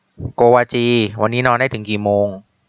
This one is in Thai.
โกวาจีวันนี้นอนได้ถึงกี่โมง